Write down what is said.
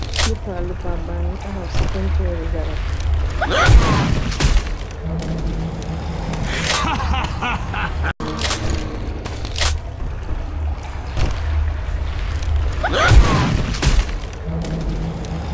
Lupa lupa ba'ngi taxaw ci tuntor ri garap bi.